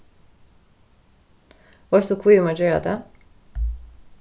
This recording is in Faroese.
veitst tú hví eg má gera tað